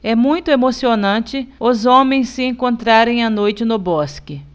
é muito emocionante os homens se encontrarem à noite no bosque